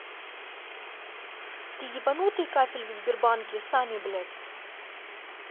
ты ебанутый кафель в сбербанке сами блядь